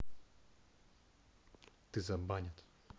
ты забанят